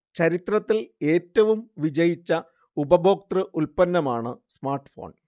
ചരിത്രത്തിൽ ഏറ്റവും വിജയിച്ച ഉപഭോക്തൃ ഉത്പന്നമാണ് സ്മാർട്ഫോൺ